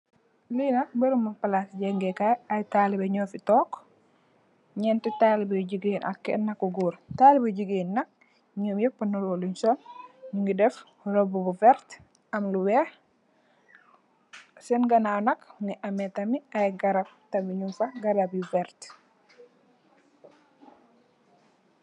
Lii nak beureubu plaasii jangeh kaii aiiy talibeh njur fii tok, njenti talibeh yu gigain ak kenu ku gorre, talibeh yu gigain yii nak njom njehp nduroh lungh sol, njungy def rohbu bu vertue, am lu wekh, sehn ganaw nak mungy ameh tamit aiiy garab tamit njung fa, garab yu vertue.